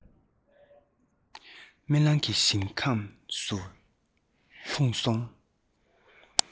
རྨི ལམ གྱི ཞིང ཁམས སུ ལྷུང སོང